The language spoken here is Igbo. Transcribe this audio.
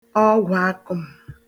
ọgwụ̀akụm